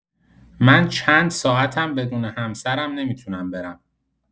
من چند ساعتم بدون همسرم نمی‌تونم برم.